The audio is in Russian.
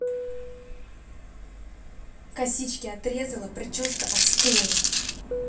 косички отрезала прическа отстой